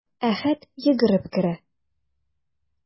Әхәт йөгереп керә.